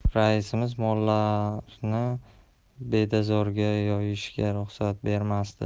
raisimiz mollarni bedazorga yoyishga ruxsat bermasdi